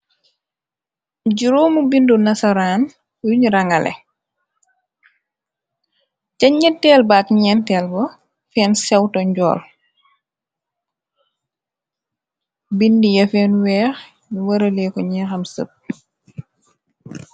Juróomu bindu nazaraan yuñ rangale, jañ ñen teel bakk ñeen teel ba feen sewto njool , bindi ya feen weex yi waralee ko ñiexam sëpp.